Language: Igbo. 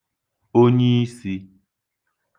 onyiisī